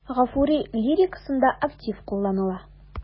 Гафури лирикасында актив кулланыла.